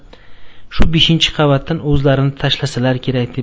shu beshinchi qavatdan o'zlarini tashlasalar kerak